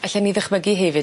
Alle ni ddychmygu hefyd...